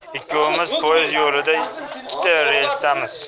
ikkovimiz poezd yo'lidagi ikkita relsdamiz